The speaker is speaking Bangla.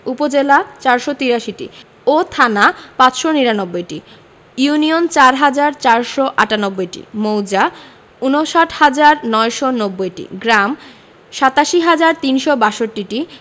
উপজেলা ৪৮৩টি ও থানা ৫৯৯টি ইউনিয়ন ৪হাজার ৪৯৮টি মৌজা ৫৯হাজার ৯৯০টি গ্রাম ৮৭হাজার ৩৬২টি